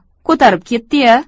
ko'tarib ketdi ya